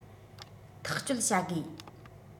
ཐག གཅོད བྱ དགོས